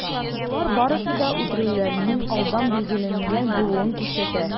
Болар барысы да үтерүләрнең алдан билгеләнгән булуын күрсәтә.